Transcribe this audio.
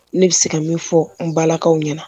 Ne bɛ se ka min fɔ n balakaw ɲɛna